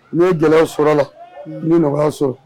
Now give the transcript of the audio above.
N ye gɛlɛya sɔrɔla la n bɛ nɔgɔyaso